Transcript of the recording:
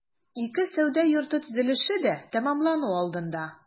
Ике сәүдә йорты төзелеше дә тәмамлану алдында.